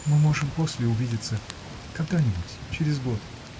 мы можем после увидеться -- когда-нибудь, через год.